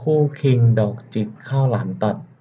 คู่คิงดอกจิกข้าวหลามตัด